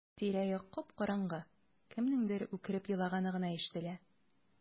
Тирә-як кап-караңгы, кемнеңдер үкереп елаганы гына ишетелә.